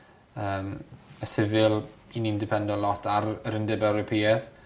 yym y civil 'yn ni'n dependo lot ar yr Endeb Ewropîedd.